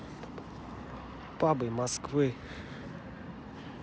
пабы москвы